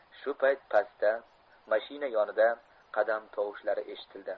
shu payt pastda mashina yonida qadam tovushlari eshitildi